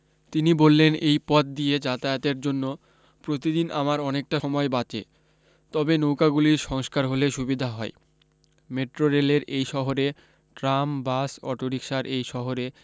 তিনি বললেন এই পথ দিয়ে যাতায়াতের জন্য প্রতিদিন আমার অনেকটা সময় বাঁচে তবে নৌকাগুলির সংস্কার হলে সুবিধা হয় মেট্রো রেলের এই শহরে ট্রাম বাস অটোরিকশার এই শহরে